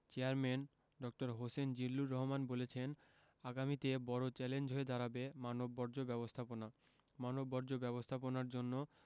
chairman ড হোসেন জিল্লুর রহমান বলেছেন আগামীতে বড় চ্যালেঞ্জ হয়ে দাঁড়াবে মানববর্জ্য ব্যবস্থাপনা মানববর্জ্য ব্যবস্থাপনার জন্য